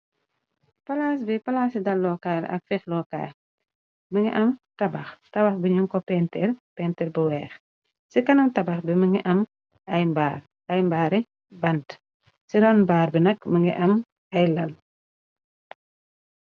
Palaas bi palaas i dallookaar ak fixlookaay mi ngi am tabax tabax bi ñu ko péntër pénter bu weex ci kanam tabax bi mi ngi am aymbaar ay mbaari bant ci ran baar bi nag mi ngi am ay lal.